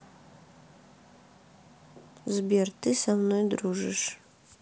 сбер ты со мной дружишь